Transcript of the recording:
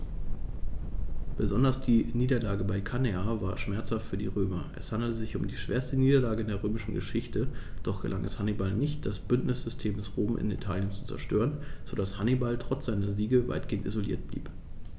Besonders die Niederlage bei Cannae war schmerzhaft für die Römer: Es handelte sich um die schwerste Niederlage in der römischen Geschichte, doch gelang es Hannibal nicht, das Bündnissystem Roms in Italien zu zerstören, sodass Hannibal trotz seiner Siege weitgehend isoliert blieb.